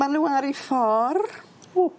ma' n'w ar 'u ffor... Ww.